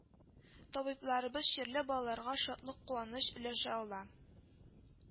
Табибларыбыз чирле балаларга шатлык куаныч өләшә ала